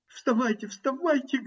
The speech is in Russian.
- Вставайте, вставайте!